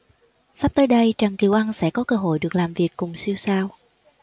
sắp tới đây trần kiều ân sẽ có cơ hội được làm việc cùng siêu sao